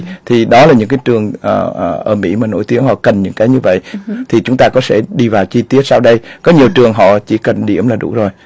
thì đó là những cái trường ở mỹ mà nổi tiếng họ cần những cái như vậy thì chúng ta sẽ đi vào chi tiết sau đây có nhiều trường họ chỉ cần điểm là đủ rồi